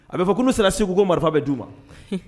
A be fɔ ko nu sera segu ko marifa bɛ du ma.